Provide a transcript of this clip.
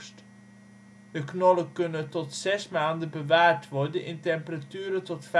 knollen kunnen tot zes maanden bewaard worden in temperaturen tot